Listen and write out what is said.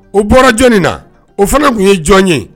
O bɔra jɔnni na o fana tun ye jɔn ye